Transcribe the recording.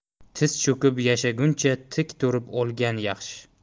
tiz cho'kib yashaguncha tik turib o'lgan yaxshi